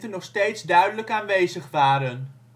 nog steeds duidelijk aanwezig waren